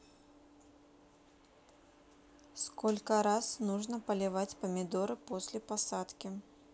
сколько раз нужно поливать помидоры после посадки